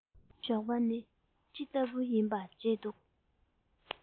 ཞོགས པ ནི ཅི ལྟ བུར ཡིན པ བརྗེད འདུག